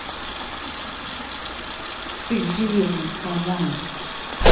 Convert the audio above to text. ты жирная сама